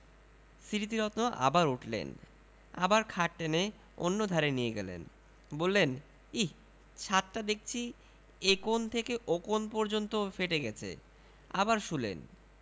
স্মৃতিরত্ন আবার উঠলেন আবার খাট টেনে অন্যধারে নিয়ে গেলেন বললেন ইঃ ছাতটা দেখচি এ কোণ থেকে ও কোণ পর্যন্ত ফেটে গেছে আবার শুলেন